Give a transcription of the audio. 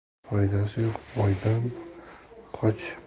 foydasi yo'q boydan qoch